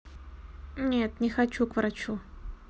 нет не хочу к врачу